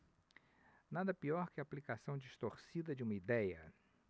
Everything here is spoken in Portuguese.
nada pior que a aplicação distorcida de uma idéia